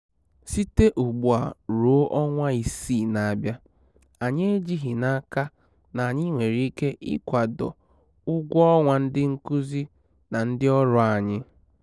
Site ugbu a ruo ọnwa isii na-abịa, anyị ejighị n'aka na anyị nwere ike ịkwado ụgwọ ọnwa ndị nkuzi na ndị ọrụ anyị.